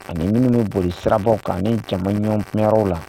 Ani minnu be boli sirabagaw kan ani jama jɛ yɔrɔw lala